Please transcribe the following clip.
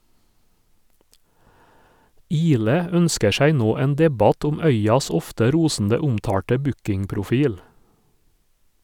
Ihle ønsker seg nå en debatt om Øyas ofte rosende omtalte bookingprofil.